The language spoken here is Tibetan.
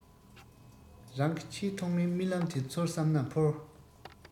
རང གི ཆེས ཐོག མའི རྨི ལམ དེ འཚོལ བསམ ན འཕུར